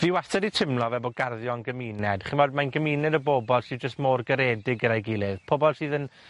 Fi wastad 'di timlo fel bo' garddio'n gymuned, chimod mae'n gymuned o bobol sy jyst mor garedig gyda'i gilydd, pobol sydd yn